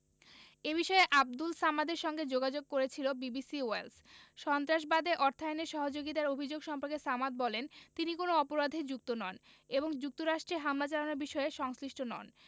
এ বিষয়ে আবদুল সামাদের সঙ্গে যোগাযোগ করেছিল বিবিসি ওয়েলস সন্ত্রাসবাদে অর্থায়নে সহযোগিতার অভিযোগ সম্পর্কে সামাদ বলেন তিনি কোনো অপরাধে যুক্ত নন এবং যুক্তরাষ্ট্রে হামলা চালানোর বিষয়ে সংশ্লিষ্ট নন